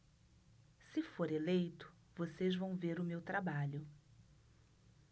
se for eleito vocês vão ver o meu trabalho